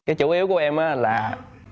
cái chủ yếu của em á là